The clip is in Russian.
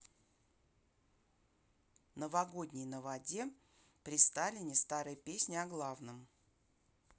новогодний на воде присталине старые песни о главном